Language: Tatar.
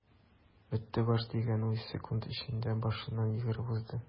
"бетте баш” дигән уй секунд эчендә башыннан йөгереп узды.